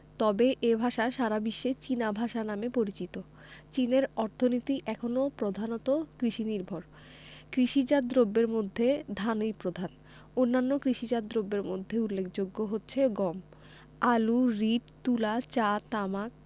তবে এ ভাষা সারা বিশ্বে চীনা ভাষা নামে পরিচিত চীনের অর্থনীতি এখনো প্রধানত কৃষিনির্ভর কৃষিজাত দ্রব্যের মধ্যে ধানই প্রধান অন্যান্য কৃষিজাত দ্রব্যের মধ্যে উল্লেখযোগ্য হচ্ছে গম আলু রীট তুলা চা তামাক